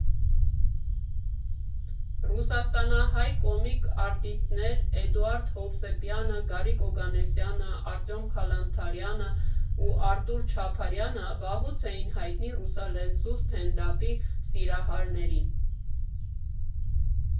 Ռուսաստանահայ կոմիկ արտիստներ Էդուարդ Հովսեփյանը, Գարիկ Օգանեսյանը, Արտյոմ Քալանթարյանն ու Արթուր Չապարյանը վաղուց էին հայտնի ռուսալեզու սթենդափի սիրահարներին։